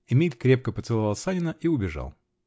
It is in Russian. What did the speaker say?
Эмиль крепко поцеловал Санина и убежал.